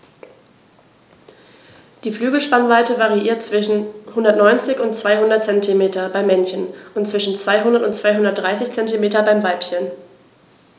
Die Flügelspannweite variiert zwischen 190 und 210 cm beim Männchen und zwischen 200 und 230 cm beim Weibchen.